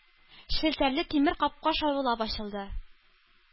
Челтәрле тимер капка шаулап ачылды.